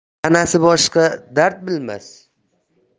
tanasi boshqa dard bilmas